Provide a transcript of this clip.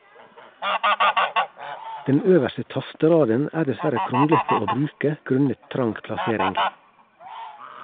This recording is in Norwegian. Den øverste tasteraden er dessverre kronglete å bruke grunnet trang plassering.